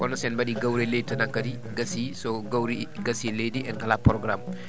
kono sen mbaɗi gawri e leydi tan hankkadi gassi so gawri gassi e leydi en gala programme